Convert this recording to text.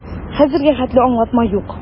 Хәзергә хәтле аңлатма юк.